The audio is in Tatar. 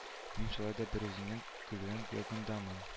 Мин шулай да берүзең килүең ягындамын